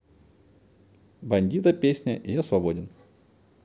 бандито песня я свободен